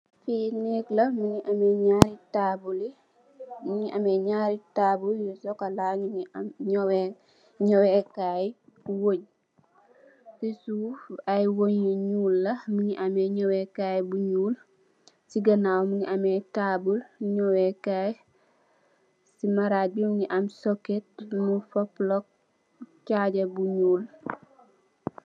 Fii nekla mungi ameh nyari tabule yi nyingi ameh nyari tabule yu socola nyungi am nyowe Kay wony si suff ayy wony yu nyul la mungi ameh nyaweh Kay bu nyul si ganaw mungi ameh tabule nyowe kayy si marage bi mungi am soket nyingfa plog chajabu nyul.